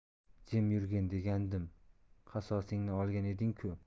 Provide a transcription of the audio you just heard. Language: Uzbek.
jim yurgin deganmidim qasosingni olgan eding ku